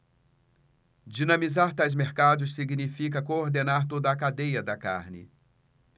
dinamizar tais mercados significa coordenar toda a cadeia da carne